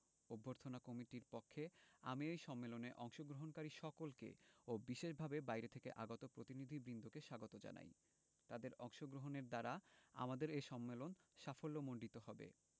অভ্যর্থনা কমিটির পক্ষে আমি এই সম্মেলনে অংশগ্রহণকারী সকলকে ও বিশেষভাবে বাইরে থেকে আগত প্রতিনিধিবৃন্দকে স্বাগত জানাই তাদের অংশগ্রহণের দ্বারা আমাদের এ সম্মেলন সাফল্যমণ্ডিত হবে